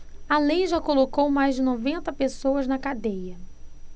a lei já colocou mais de noventa pessoas na cadeia